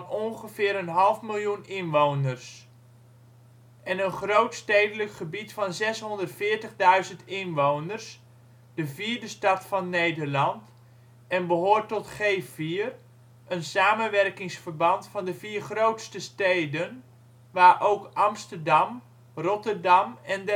ongeveer een half miljoen inwoners, en een grootstedelijk gebied van 640.000 inwoners, de vierde stad van Nederland, en hoort tot G4, een samenwerkingsverband van de vier grootste steden waar ook Amsterdam, Rotterdam en